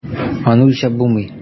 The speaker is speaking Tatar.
Аны үлчәп булмый.